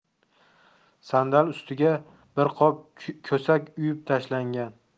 sandal ustiga bir qop ko'sak uyub tashlangan